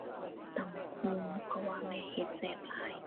ตำบักหุ่ง เพราะว่าแม่เฮ็ดแซ่บหลาย